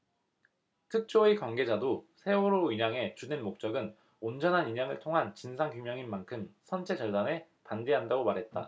특조위 관계자도 세월호 인양의 주된 목적은 온전한 인양을 통한 진상규명인 만큼 선체 절단에 반대한다고 말했다